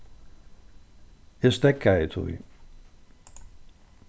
eg steðgaði tí